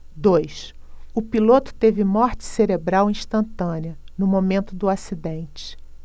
dois o piloto teve morte cerebral instantânea no momento do acidente